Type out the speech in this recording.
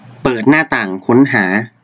เปิดหน้าต่างค้นหา